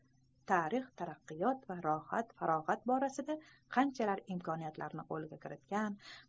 tarix taraqqiyot va rohat farog'at borasida qanchalar imkoniyatlarni qo'lga kiritgan